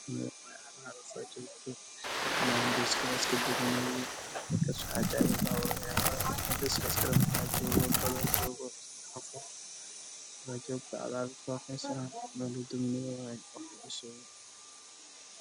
Waa laami waxaa maraayo cagaf cagaf midabkeedu yahay jaalle